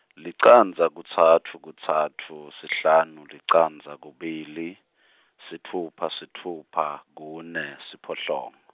licandza kutsatfu kutsatfu, sihlanu licandza kubili, sitfupha sitfupha kune, siphohlongo.